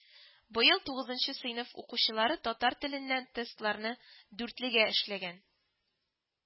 Быел тугызынчы сыйныф укучылары татар теленнән тестларны дүртлегә эшләгән